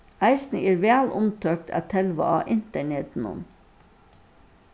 eisini er væl umtókt at telva á internetinum